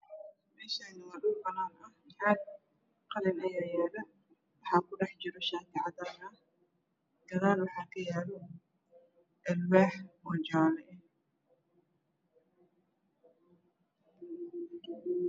Meshaani wa dhul baanan ah caag qalin ayaa yaalo waxaa ku dhax jiro shaati cadaan gadaal waxa kayaalo alwaax oo jaalo ah